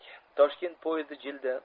toshkent poezdi jildi